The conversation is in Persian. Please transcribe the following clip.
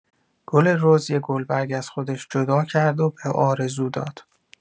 گل رز یه گلبرگ از خودش جدا کرد و به آرزو داد.